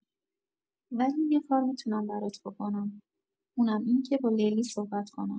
ولی یه کار می‌تونم برات بکنم، اونم اینکه با لیلی صحبت کنم.